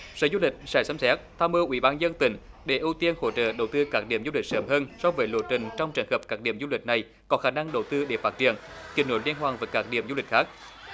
sở du lịch sẽ xem xét tham mưu ủy ban nhân dân tỉnh để ưu tiên hỗ trợ đầu tư các điểm du lịch sớm hơn so với lộ trình trong trường hợp các điểm du lịch này có khả năng đầu tư để phát triển kết nối liên hoàn với các điểm du lịch khác